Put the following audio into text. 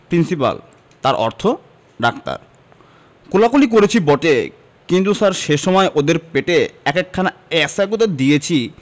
principal তার অর্থ doctor কোলাকুলি করেছি বটে কিন্তু স্যার সে সময় ওদের পেটে এক একখানা এ্যায়সা গুঁতো দিয়েছি